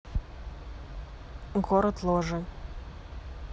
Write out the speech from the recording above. город ложи